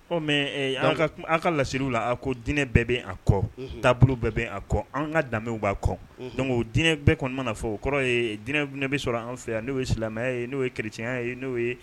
Mɛ an ka lasw la a ko dinɛ bɛɛ bɛ a kɔ taabolo bɛɛ bɛ a kɔ an ka danbew b'a kɔ dɔnkuc dinɛ bɛɛ kɔnɔna mana fɔ o kɔrɔ ye dinɛ bɛ sɔrɔ an fɛ yan n'o ye silamɛya ye n'o ye kerecya ye n'o ye